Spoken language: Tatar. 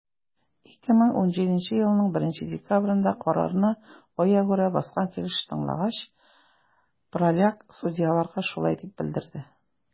2017 елның 1 декабрендә, карарны аягүрә баскан килеш тыңлагач, праляк судьяларга шулай дип белдерде: